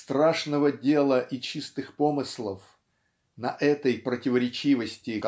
страшного дела и чистых помыслов на этой противоречивости